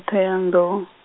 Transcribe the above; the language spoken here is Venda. tho yandou.